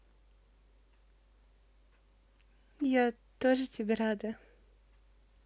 я тоже тебе рада